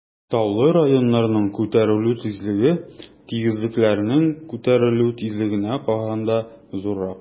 Таулы районнарның күтәрелү тизлеге тигезлекләрнең күтәрелү тизлегенә караганда зуррак.